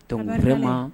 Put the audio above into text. Don bɛ